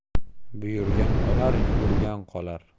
buyuigan olar yugurgan qolar